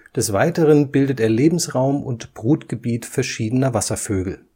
Des Weiteren bildet er Lebensraum und Brutgebiet verschiedener Wasservögel